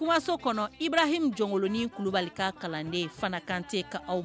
Kumaso kɔnɔ irahi jɔnkolonin kulubali ka kalanden fana kante ka